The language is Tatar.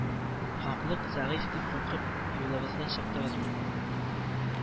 Хаклык зәгыйфь дип куркып, юлыгыздан чыктыгызмы